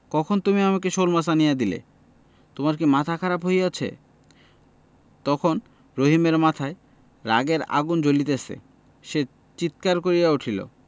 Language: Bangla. কখন তুমি আমাকে শোলমাছ আনিয়া দিলে তোমার কি মাথা খারাপ হইয়াছে তখন রহিমের মাথায় রাগের আগুন জ্বলিতেছে সে চিৎকার করিয়া উঠিল